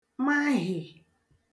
mahị̀